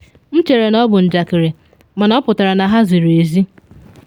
“M chere na ọ bụ njakịrị, mana ọ pụtara na ha ziri ezi.”